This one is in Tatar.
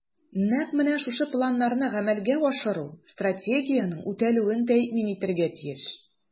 Нәкъ менә шул планнарны гамәлгә ашыру Стратегиянең үтәлүен тәэмин итәргә тиеш.